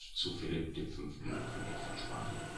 zu Philipp V. König von Spanien